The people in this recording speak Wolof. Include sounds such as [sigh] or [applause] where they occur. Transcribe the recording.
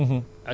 [hesitation] [hesitation]